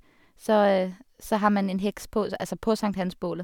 så Så har man en heks på s altså på sankthansbålet.